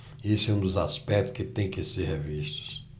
esse é um dos aspectos que têm que ser revistos